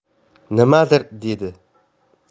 nimadir dedi